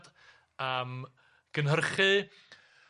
am gynhyrchu.